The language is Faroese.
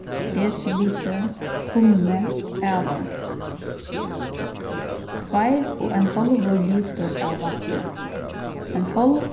desilitur tummi alin tveir og ein hálvur litur av vatni ein hálv